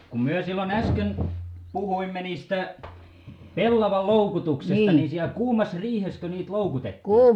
kun me silloin äsken puhuimme niistä pellavan loukutuksesta niin siellä kuumassa riihessäkö niitä loukutettiin